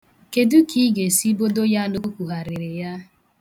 Kedu ka ị ga-esi bodo ya na o kwugharịrị ya?